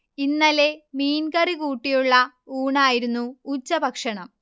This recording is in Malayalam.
ഇന്നലെ മീൻ കറി കൂട്ടിയുള്ള ഊണായിരുന്നു ഉച്ചഭക്ഷണം